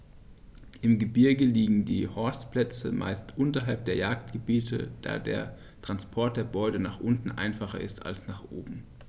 Im Gebirge liegen die Horstplätze meist unterhalb der Jagdgebiete, da der Transport der Beute nach unten einfacher ist als nach oben.